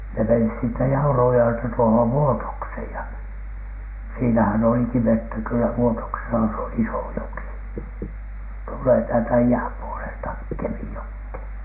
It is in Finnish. ne meni siitä Jaurujoelta tuohon Vuotokseen ja siinähän olikin vettä kyllä Vuotoksessa se on iso joki tulee täältä idän puolelta Kemijokeen